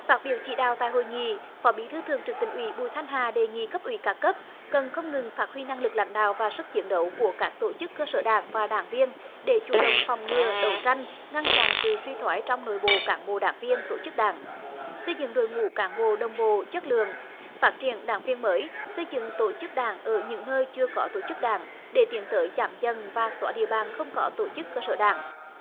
phát biểu chỉ đạo tại hội nghị phó bí thư thường trực tỉnh ủy bùi thanh hà đề nghị cấp ủy các cấp cần không ngừng phát huy năng lực lãnh đạo và sức chiến đấu của các tổ chức cơ sở đảng và đảng viên để chủ động phòng ngừa đấu tranh ngăn chặn sự suy thoái trong nội bộ cán bộ đảng viên tổ chức đảng xây dựng đội ngũ cán bộ đồng bộ chất lượng phát triển đảng viên mới xây dựng tổ chức đảng ở những nơi chưa có tổ chức đảng để tiến tới giảm dần và xóa địa bàn không có tổ chức cơ sở đảng